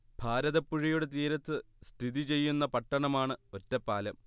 ഭാരതപ്പുഴയുടെ തീരത്ത് സ്ഥിതി ചെയ്യുന്ന പട്ടണമാണ് ഒറ്റപ്പാലം